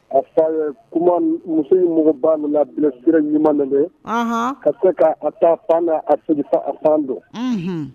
A fa ye muso in mɔgɔ ba min bilasira ɲuman ye ka se k'a taa fan' a sen a fan don